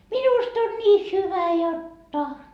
minusta on niin hyvä jotta